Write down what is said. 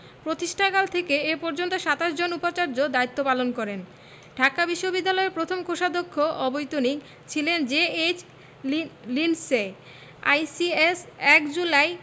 প্রতিষ্ঠাকাল থেকে এ পর্যন্ত ২৭ জন উপাচার্য দায়িত্ব পালন করেন ঢাকা বিশ্ববিদ্যালয়ের প্রথম কোষাধ্যক্ষ অবৈতনিক ছিলেন জে.এইচ লিন্ডসে আইসিএস ১ জুলাই